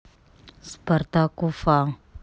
спартак уфа